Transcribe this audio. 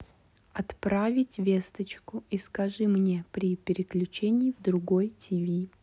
отправить весточку и скажи мне при переключении в другой tv